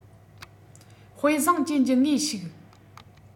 དཔེ བཟང ཅན གྱི ངོས ཞིག